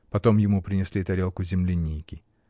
Потом ему принесли тарелку земляники.